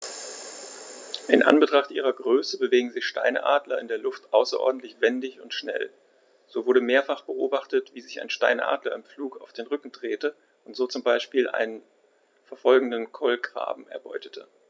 In Anbetracht ihrer Größe bewegen sich Steinadler in der Luft außerordentlich wendig und schnell, so wurde mehrfach beobachtet, wie sich ein Steinadler im Flug auf den Rücken drehte und so zum Beispiel einen verfolgenden Kolkraben erbeutete.